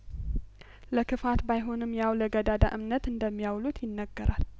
ለክፋት ባይሆንም ያው ለገዳዳ እምነት እንደሚያውሉት ይነገራል